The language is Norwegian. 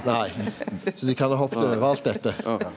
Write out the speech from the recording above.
nei så dei kan ha hoppa over alt dette.